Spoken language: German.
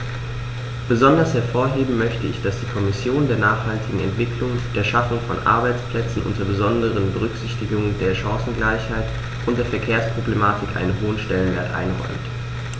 Besonders hervorheben möchte ich, dass die Kommission der nachhaltigen Entwicklung, der Schaffung von Arbeitsplätzen unter besonderer Berücksichtigung der Chancengleichheit und der Verkehrsproblematik einen hohen Stellenwert einräumt.